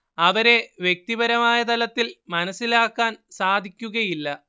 അവരെ വ്യക്തിപരമായ തലത്തിൽ മനസ്സിലാക്കാൻ സാധിക്കുകയില്ല